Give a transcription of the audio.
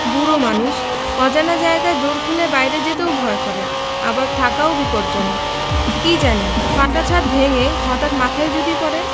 বুড়ো মানুষ অজানা জায়গায় দোর খুলে বাইরে যেতেও ভয় করে আবার থাকাও বিপজ্জনক কি জানি ফাটা ছাত ভেঙ্গে হঠাৎ মাথায় যদি পড়ে